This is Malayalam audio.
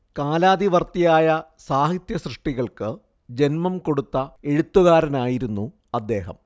കാലാതിവർത്തിയായ സാഹിത്യ സൃഷ്ടികൾക്ക് ജന്മം കൊടുത്ത എഴുത്തുകാരനായിരുന്നു അദ്ദേഹം